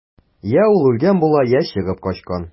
Йә ул үлгән була, йә чыгып качкан.